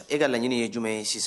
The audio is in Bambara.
E ka laɲini ye jumɛn ye sis